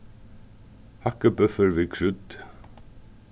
hakkibúffur við krydd